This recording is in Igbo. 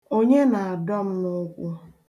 Onye na-adọ m n'ụkwụ?